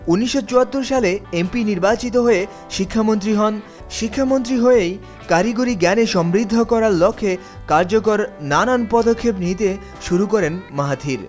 ১৯৭৪ সালে এমপি নির্বাচিত হয়ে শিক্ষা মন্ত্রী হন শিক্ষা মন্ত্রী হয়েই কারিগরি জ্ঞানের সমৃদ্ধ করার লক্ষ্যে কার্যকর নানান পদক্ষেপ নিতে শুরু করেন মাহাথির